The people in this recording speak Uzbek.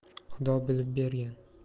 xudo bilib bergan